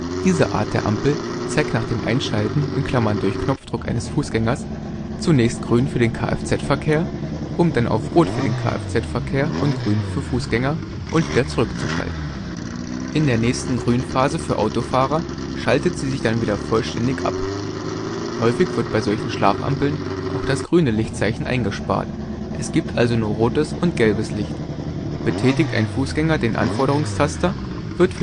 Diese Art der Ampel zeigt nach dem Einschalten (durch Knopfdruck eines Fußgängers) zunächst Grün für den Kfz-Verkehr, um dann auf Rot für den Kfz-Verkehr und Grün für Fußgänger und wieder zurückzuschalten. In der nächsten Grünphase für Autofahrer schaltet sie sich dann wieder vollständig ab. Häufig wird bei solchen Schlafampeln auch das grüne Lichtzeichen eingespart, es gibt also nur rotes und gelbes Licht. Betätigt ein Fußgänger den Anforderungstaster, wird